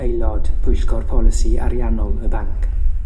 aelod pwyllgor polisi ariannol y banc.